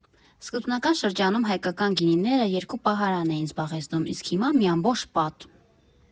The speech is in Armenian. Սկզբնական շրջանում հայկական գինիները երկու պահարան էին զբաղեցնում, իսկ հիմա՝ մի ամբողջ պատ։